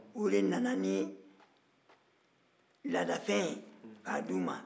o de nana ni laadafɛn ye k'a di u ma